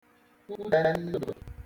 Uchẹ̀ndụ̀